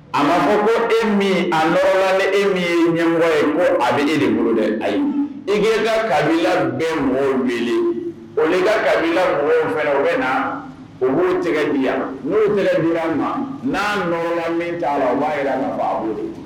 A maa fɔ ko e min a nɔgɔ ni e min ye ɲɛmɔgɔ ye ko a bɛ e nin bolo dɛ ayi i' ka kabila bɛ mɔgɔw wele o ka kabila mɔgɔw fɛ o bɛ na u b'o tɛgɛ di na n'o di ma n'a nɔ min'a b'a jira n ka bolo